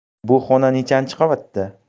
bu xona nechanchi qavatda